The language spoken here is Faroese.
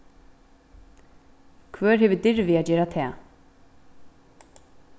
hvør hevur dirvið at gera tað